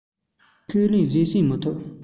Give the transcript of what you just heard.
ཁས ལེན བཟོད བསྲན མི ཐུབ